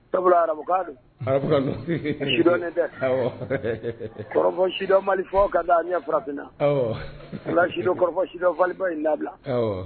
Sabula arabukandɔn dɛ kɔrɔfɔ sidɔn malifɔ ka di ɲɛ fanafinnadɔn kɔrɔfɔ sida baliba in labila